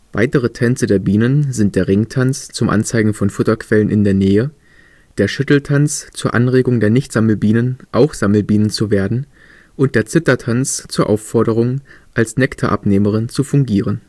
Weitere Tänze der Bienen sind der „ Ringtanz “zum Anzeigen von Futterquellen in der Nähe, der „ Schütteltanz “zur Anregung der Nichtsammelbienen, auch Sammelbienen zu werden, und der „ Zittertanz “zur Aufforderung, als Nektarabnehmerin zu fungieren